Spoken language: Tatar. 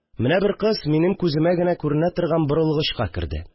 Менә бер кыз минем күземә генә күренә торган борылгычка керде